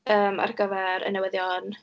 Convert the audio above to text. yym, ar gyfer y newyddion.